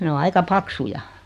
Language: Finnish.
ne on aika paksuja